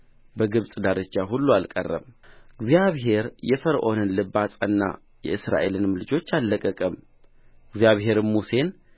በግብፅ ዳርቻ ሁሉ አልቀረም እግዚአብሔር የፈርዖንን ልብ አጸና የእስራኤልንም ልጆች አልለቀቀም እግዚአብሔርም ሙሴን